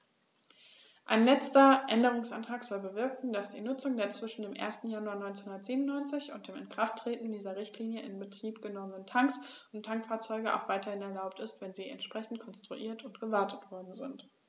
Ein letzter Änderungsantrag soll bewirken, dass die Nutzung der zwischen dem 1. Januar 1997 und dem Inkrafttreten dieser Richtlinie in Betrieb genommenen Tanks und Tankfahrzeuge auch weiterhin erlaubt ist, wenn sie entsprechend konstruiert und gewartet worden sind.